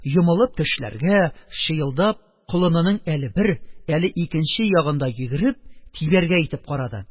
Йомылып тешләргә, чыелдап, колынының әле бер, әле икенче ягында йөгереп тибәргә итеп карады.